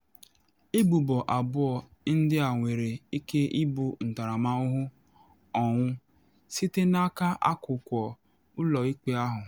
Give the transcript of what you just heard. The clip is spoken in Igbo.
Ebubo abụọ ndị a nwere ike ibu ntaramahụhụ ọnwụ, site n’aka akwụkwọ ụlọ ikpe ahụ.